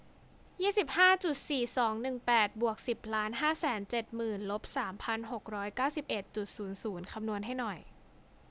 ยี่สิบห้าจุดสี่สองหนึ่งแปดบวกสิบล้านห้าแสนเจ็ดหมื่นลบสามพันหกร้อยเก้าสิบเอ็ดจุดศูนย์ศูนย์คำนวณให้หน่อย